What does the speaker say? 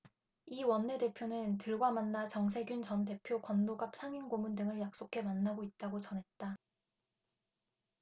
이 원내대표는 들과 만나 정세균 전 대표 권노갑 상임고문 등을 약속해 만나고 있다고 전했다